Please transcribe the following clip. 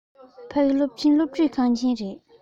ཕ གི གློག ཅན སློབ ཁྲིད ཁང ཆེན ཡིན